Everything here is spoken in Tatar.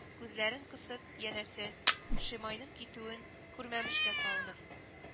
Күзләрен кысып – янәсе, шимайның китүен күрмәмешкә салынып